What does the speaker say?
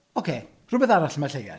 Ocê, rhywbeth arall am y Lleuad.